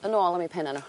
yn ôl am 'u penna' n'w.